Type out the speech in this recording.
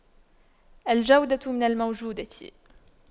الجودة من الموجودة